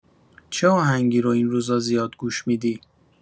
چه آهنگی رو این روزا زیاد گوش می‌دی؟